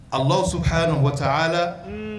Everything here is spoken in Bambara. A so h nin' la